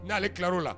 N'aale tilaraw la